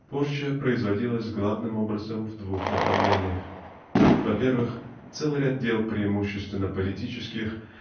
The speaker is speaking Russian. "порча" производилась главным образом в двух направлениях во-первых целый ряд дел преимущественно политических